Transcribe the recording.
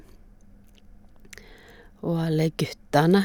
Og Alle guttane.